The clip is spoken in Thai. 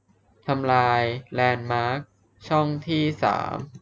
ทำลายแลนด์มาร์คช่องที่สาม